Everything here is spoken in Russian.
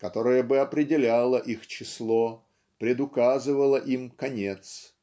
которая бы определяла их число предуказывала им конец.